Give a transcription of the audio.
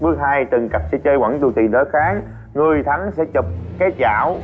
bước hai từng cặp sẽ chơi oẳn tù tì đối kháng người thắng sẽ chụp cái chảo